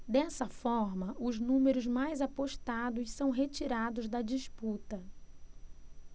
dessa forma os números mais apostados são retirados da disputa